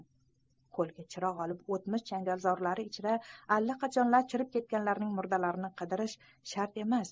qo'lga chiroq olib o'tmish changalzorlari ichra allaqachonlar chirib ketganlarning murdalarini qidirish shart emas